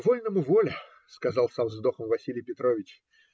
- Вольному воля, - сказал со вздохом Василий Петрович.